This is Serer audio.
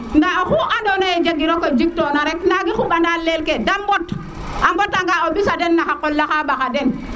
nda o xu ando na ye jegiro ka jik tona rek ndangi xumbana lel ke de mbot a mbota nga o mbisa den na xa qola xa mbaxa den